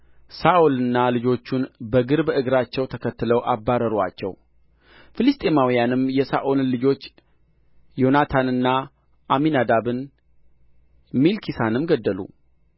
ሳኦልንና ልጆቹን በእግር በእግራቸው ተከትለው አባረሩአቸው ፍልስጥኤማውያንም የሳኦልን ልጆች ዮናታንንና አሚናዳብን ሜልኪሳንም ገደሉ